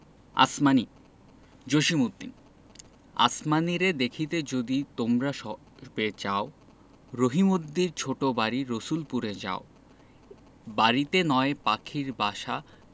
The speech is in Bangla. আসমানী জসিমউদ্দিন আসমানীরে দেখিতে যদি তোমরা সবে চাও রহিমদ্দির ছোট বাড়ি রসুলপুরে যাও বাড়িতে নয় পাখির বাসা